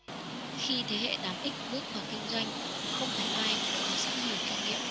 khi thế hệ tám x bước vào kinh doanh không phải ai cũng có sẵn nhiều kinh nghiệm